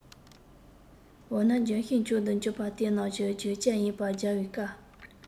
འོ ན ལྗོན ཤིང མཆོག ཏུ འགྱུར པ དེ རྣམས ཀྱི རྒྱུད བཅས ཡིན པ རྒྱལ བའི བཀའ